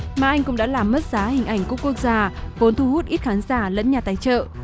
mà anh cũng đã làm mất giá hình ảnh cúp quốc gia vốn thu hút ít khán giả lẫn nhà tài trợ